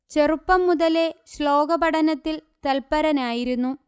ചെറുപ്പം മുതലേ ശ്ലോക പഠനത്തിൽ തൽപരനായിരുന്നു